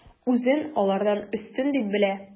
Үзен алардан өстен дип белә.